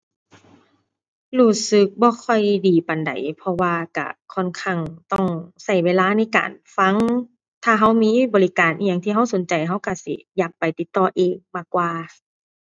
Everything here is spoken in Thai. รู้สึกบ่ค่อยดีปานใด เพราะว่าก็ค่อนข้างต้องก็เวลาในการฟัง ถ้าก็มีบริการอิหยังที่ก็สนใจก็ก็สิอยากไปติดต่อเองมากกว่า